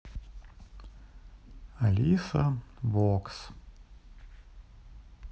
алиса вокс